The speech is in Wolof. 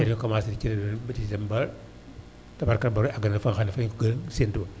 nga recommencé di ci dem ba tabarka ba egg na foo xam ne fu ñu ko doon séentoo